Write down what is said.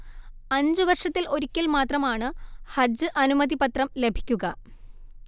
അഞ്ചു വർഷത്തിൽ ഒരിക്കൽ മാത്രമാണ് ഹജ്ജ് അനുമതി പത്രം ലഭിക്കുക